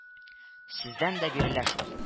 —сездән дә бирелә шул